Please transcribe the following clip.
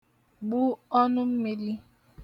gbụ ọnụ mmili